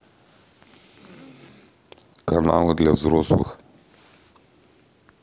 каналы для взрослых